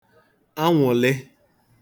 anwụ̀lị